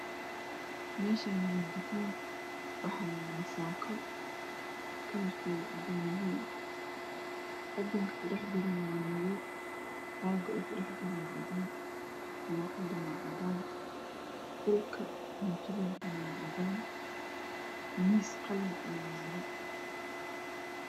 Meahani waa dukan waxaa yala sako kalrkeedu cadan yahay oobinka ku dhex jirana waa madow caguna waa caadan turaxaduna waa cadan holkana waa cadan miis qalina ayaa yala